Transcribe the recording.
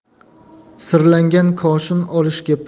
sirlangan koshin olish